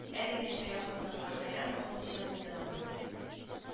Әлеге чая хатынга хәйран калмыйча булдыра алмады